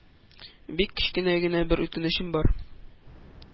Бик кечкенә генә бер үтенечем бар.